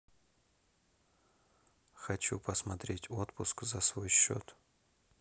хочу посмотреть отпуск за свой счет